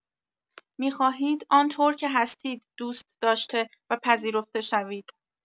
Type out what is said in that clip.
می‌خواهید آن‌طور که هستید دوست داشته و پذیرفته شوید.